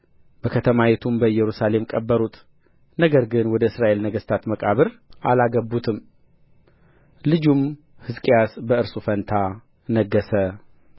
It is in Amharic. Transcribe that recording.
በከተማይቱም በኢየሩሳሌም ቀበሩት ነገር ግን ወደ እስራኤል ነገሥታት መቃብር አላገቡትም ልጁም ሕዝቅያስ በእርሱ ፋንታ ነገሠ